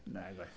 Nagoedd.